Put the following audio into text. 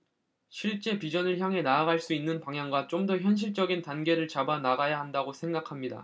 실제 비전을 향해 나아갈 수 있는 방향과 좀 더 현실적인 단계를 잡아 나가야 한다고 생각합니다